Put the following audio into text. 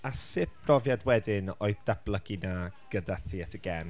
A sut brofiad wedyn oedd datblygu 'na gyda Theatr Gen?